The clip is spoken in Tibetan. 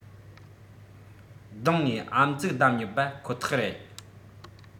སྡང ནས ཨམ གཙིགས བསྡམས ཡོད པ ཁོ ཐག རེད